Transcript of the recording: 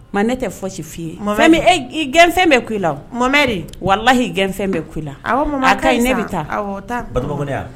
Man ne tɛ fɔsi fi ye. I gɛn fɛn bi ku i la wo. walalahi i gɛnfɛn bi ku i la . A ka ɲi ne bi. taa.